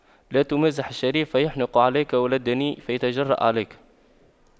لا تمازح الشريف فيحنق عليك ولا الدنيء فيتجرأ عليك